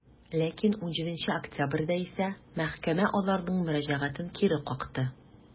Ләкин 17 октябрьдә исә мәхкәмә аларның мөрәҗәгатен кире какты.